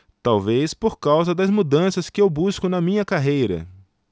talvez por causa das mudanças que eu busco na minha carreira